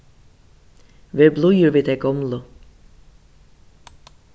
ver blíður við tey gomlu